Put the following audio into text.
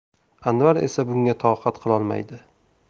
anvar esa bunga toqat qilolmaydi